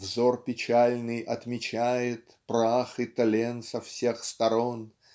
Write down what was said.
Взор печальный отмечает Прах и тлен со всех сторон.